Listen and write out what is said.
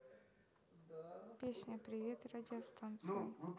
песня привет радиостанциям